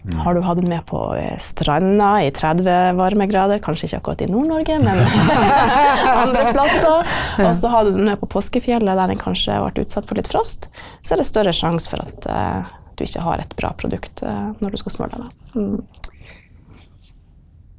har du hatt den med på stranda i 30 varmegrader kanskje ikke akkurat i Nord-Norge men andre plasser, og så hadde du den med på påskefjellet der den kanskje ble utsatt for litt frost, så er det større sjanse for at du ikke har et bra produkt når du skal smøre deg da .